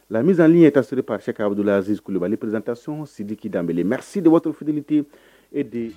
La mise en œuvre est assurée par Cheick Abdoul Aziz Coulibaly présentation Sidiki Dembelé merci de votre fidélité et